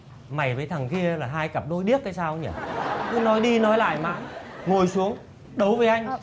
mày với thằng kia là hai cặp đôi điếc hay sao ấy nhở cứ nói đi nói lại mãi ngồi xuống đấu với anh